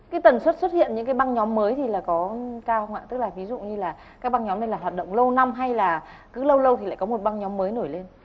cái tần suất xuất hiện những cái băng nhóm mới thì là có cao không ạ tức là ví dụ như là các băng nhóm này hoạt động lâu năm hay là cứ lâu lâu thì lại có một băng nhóm mới nổi lên